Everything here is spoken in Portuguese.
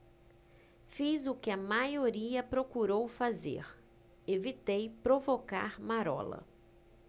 fiz o que a maioria procurou fazer evitei provocar marola